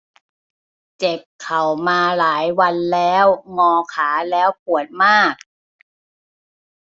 เจ็บเข่ามาหลายวันแล้วงอขาแล้วปวดมาก